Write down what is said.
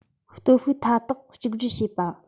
སྟོབས ཤུགས མཐའ དག གཅིག སྒྲིལ བྱེད པ